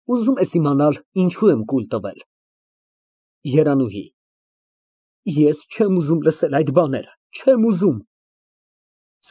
Ուզո՞ւմ ես իմանալ, ինչո՞ւ եմ կուլ տվել։ ԵՐԱՆՈՒՀԻ ֊ Ես չեմ ուզում լսել այդ բաները, չեմ ուզում։